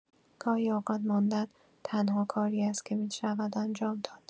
گاهی اوقات ماندن، تنها کاری است که می‌شود انجام داد.